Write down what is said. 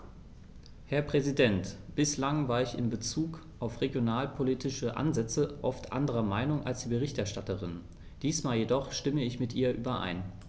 Herr Präsident, bislang war ich in bezug auf regionalpolitische Ansätze oft anderer Meinung als die Berichterstatterin, diesmal jedoch stimme ich mit ihr überein.